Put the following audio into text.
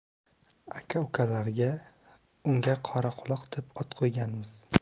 aka ukalar unga qoraquloq deb ot qo'yganmiz